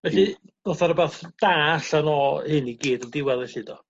Felly dotha rwbath da allan o hyn i gyd yn diwadd felly do?